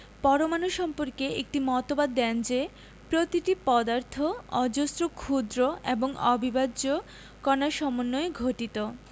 পরমাণু সম্পর্কে একটি মতবাদ দেন যে প্রতিটি পদার্থ অজস্র ক্ষুদ্র এবং অবিভাজ্য কণার সমন্বয়ে গঠিত